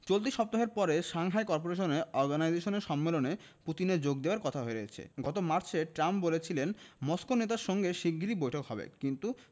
চলতি সপ্তাহের পরে সাংহাই করপোরেশন অর্গানাইজেশনের সম্মেলনে পুতিনের যোগ দেওয়ার কথা রয়েছে গত মার্চে ট্রাম্প বলেছিলেন মস্কো নেতার সঙ্গে শিগগিরই বৈঠক হবে কিন্তু